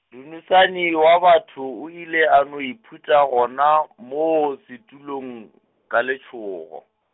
Dunusani wa batho o ile a no iphutha gona, moo setulong ka letšhogo.